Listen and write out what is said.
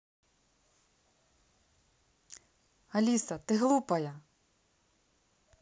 алиса ты глупая